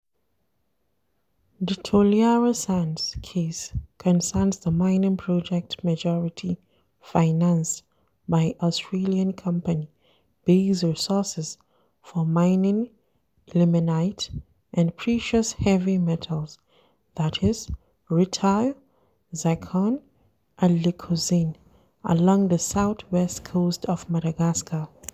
ZR: The Toliara Sands case concerns the mining project majority-financed by Australian company Base Resources for mining ilmenite and precious heavy metals (rutile, zircon and leucoxene) along the southwest coast of Madagascar.